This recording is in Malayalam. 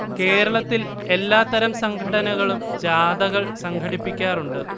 കേരളത്തിൽ എല്ലാ തരം സംഘടനകളും ജാഥകൾ സംഘടിപ്പിക്കാറുണ്ട്